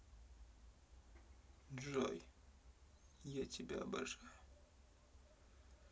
джой я тебя обожаю